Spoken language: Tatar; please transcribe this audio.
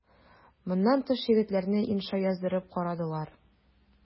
Моннан тыш егетләрне инша яздырып карадылар.